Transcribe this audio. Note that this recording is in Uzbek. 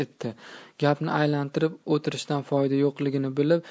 gapni aylantirib o'tirishdan foyda yo'qligini bilib